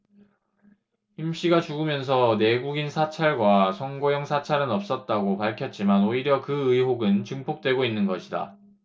임씨가 죽으면서 내국인 사찰과 선거용 사찰은 없었다고 밝혔지만 오히려 그 의혹은 증폭되고 있는 것이다